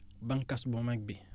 bànqaas bu mag bi